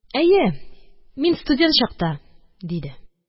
Әйе, мин студент чакта! – диде.